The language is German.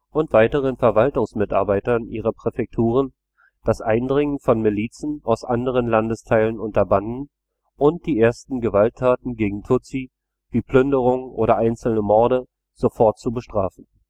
und weiteren Verwaltungsmitarbeitern ihrer Präfekturen das Eindringen von Milizen aus anderen Landesteilen unterbanden und die ersten Gewalttaten gegen Tutsi – wie Plünderungen oder einzelne Morde – sofort bestraften